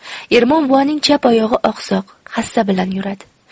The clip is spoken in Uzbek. ermon buvaning chap oyog'i oqsoq hassa bilan yuradi